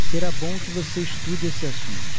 será bom que você estude esse assunto